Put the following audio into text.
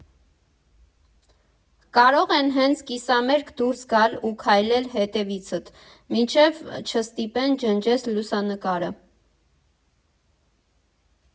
Կարող են հենց կիսամերկ դուրս գալ ու քայլել հետևիցդ, մինչև չստիպեն ջնջես լուսանկարը։